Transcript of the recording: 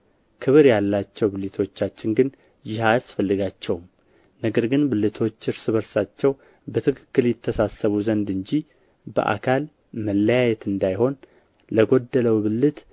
ክብር ያላቸው ብልቶቻችን ግን ይህ አያስፈልጋቸውም ነገር ግን ብልቶች እርስ በርሳቸው በትክክል ይተሳሰቡ ዘንድ እንጂ በአካል መለያየት እንዳይሆን ለጎደለው ብልት